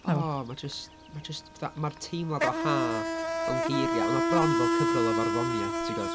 O, ma' jyst, ma' jyst fatha mae'r teimlad o haf mewn geiriau. A mae bron fel cyfrol o farddoniaeth ti'n gwybod.